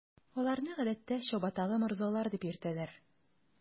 Аларны, гадәттә, “чабаталы морзалар” дип йөртәләр.